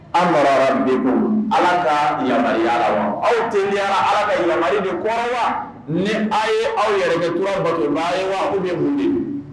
Amadu ala ka aw te ala ka yama de kɔrɔ wa ni aw ye aw yɛrɛ kura mun de